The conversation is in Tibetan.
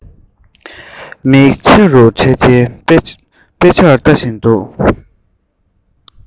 མིག ཆེ རུ བགྲད དེ དཔེ ཆར ལྟ བཞིན འདུག